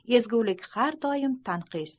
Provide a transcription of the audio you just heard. ezgulik har doim tanqis